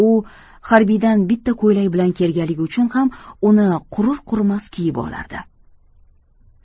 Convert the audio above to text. u harbiydan bitta ko'ylak bilan kelganligi uchun ham uni qurir qurimas kiyib olardi